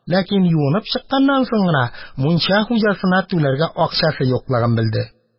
Ләкин юынып чыкканнан соң гына, мунча хуҗасына түләргә акчасы юклыгын белде.